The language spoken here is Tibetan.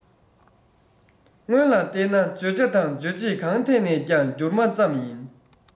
སྔོན ལ བལྟས ན བརྗོད བྱ དང རྗོད བྱེད གང ཐད ནས ཀྱང འགྱུར མ ཙམ ཡིན